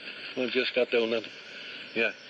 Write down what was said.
Ma'n jyst gadel . Ie.